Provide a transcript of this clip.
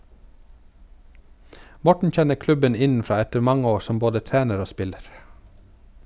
Morten kjenner klubben innenfra etter mange år som både trener og spiller.